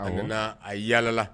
A nana a yalalala